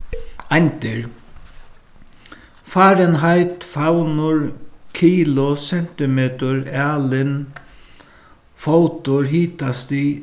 eindir fahrenheit favnur kilo sentimetur alin fótur hitastig